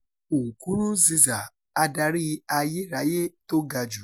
Nkurunziza,' Adarí ayérayé tó ga jù'